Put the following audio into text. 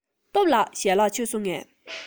སྟོབས ལགས ཞལ ལག མཆོད སོང ངས